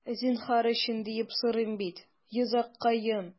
Зинһар өчен, диеп сорыйм бит, йозаккаем...